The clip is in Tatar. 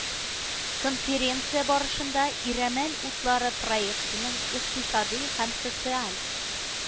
Конференция барышында Ирәмәл утлары проектының икътисади һәм социаль